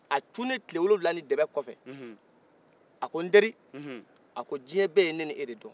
a cunen tile wolowula tɛmɛ kɔfɛ a ko n teri a ko diɲɛ bɛɛ ye ne ni e de don